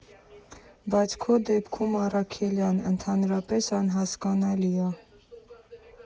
Բայց քո դեպքում, Առաքելյան, ընդհանրապես անհասկանալի ա…